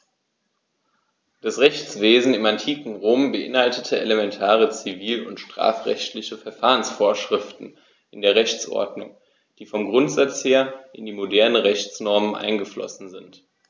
Das Rechtswesen im antiken Rom beinhaltete elementare zivil- und strafrechtliche Verfahrensvorschriften in der Rechtsordnung, die vom Grundsatz her in die modernen Rechtsnormen eingeflossen sind.